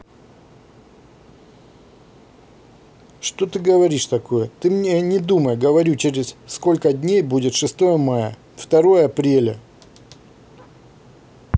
что ты говоришь такое ты мне не думай говорю через сколько дней будет шестое мая второе апреля